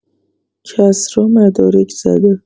کسری مدارک زده